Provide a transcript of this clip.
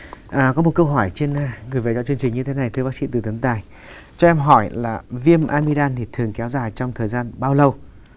à có một câu hỏi trên gửi về cho chương trình như thế này thưa bác sĩ từ tấn tài cho em hỏi là viêm a mi đan thì thường kéo dài trong thời gian bao lâu